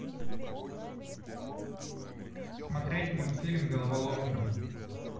смотреть мультфильм головоломка